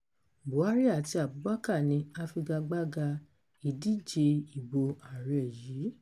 Buhari àti Abubakar ni afigagbága ìdíje ìbò aré yìí.